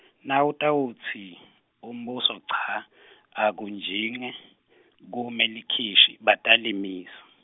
Nawutawutsi, umbuso cha , akujinge, kume likhishi, batalimisa.